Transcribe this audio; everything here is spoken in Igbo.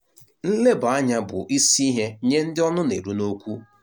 Nleba anya bụ isi ihe nye ndị ọnụ na-eru n'okwu.